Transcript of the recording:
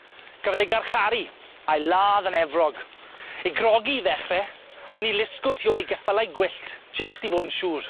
Gafodd ei garcharu a'i ladd yn Efrog ei grogi i ddechre wedyn 'i lusgo tu ôl i geffylau gwyllt jyst i fod yn siŵr.